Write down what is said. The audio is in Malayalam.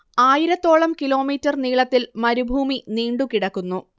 ആയിരത്തോളം കിലോമീറ്റർ നീളത്തിൽ മരുഭൂമി നീണ്ടു കിടക്കുന്നു